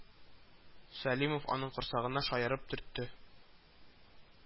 Сәлимов аның корсагына шаярып төртте